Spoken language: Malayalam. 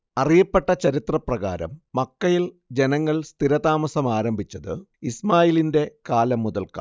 അറിയപ്പെട്ട ചരിത്രപ്രകാരം മക്കയിൽ ജനങ്ങൾ സ്ഥിരതാമസമാരംഭിച്ചത് ഇസ്മാഈലിന്റെ കാലം മുതൽക്കാണ്